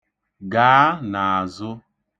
Gaa n'azụ.